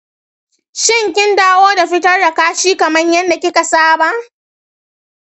shin kin dawo da fitar da kashi kamar yadda kika saba?